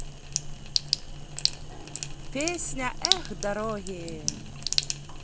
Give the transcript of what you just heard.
песня эх дороги